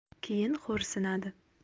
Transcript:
keyin xo'rsinadi